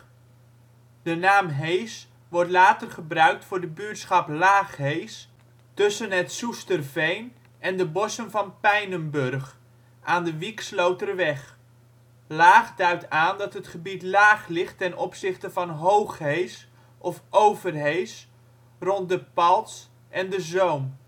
De naam Hees wordt later gebruikt voor het buurtschap Laag Hees tussen het Soesterveen en de bossen van Pijnenburg, aan de Wieksloterweg. Laag duidt aan dat het gebied laag ligt ten opzichte van Hoog Hees (of Overhees), rond De Paltz en De Zoom